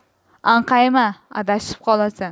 anqayma adashib qolasan